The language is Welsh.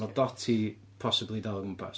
Ma' Dotty possibly dal o gwmpas.